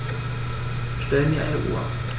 Stell mir eine Uhr.